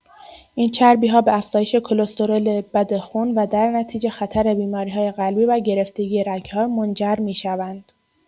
این چربی‌ها به افزایش کلسترول بد خون و در نتیجه خطر بیماری‌های قلبی و گرفتگی رگ‌ها منجر می‌شوند.